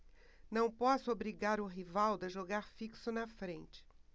não posso obrigar o rivaldo a jogar fixo na frente